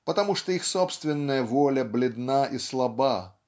потому что их собственная воля бледна и слаба